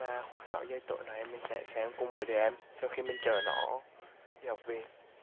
và khoảng giờ tối nay mình sẽ cùng xem với đứa em sau khi mình chở nó về